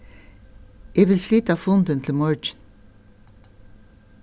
eg vil flyta fundin til morgin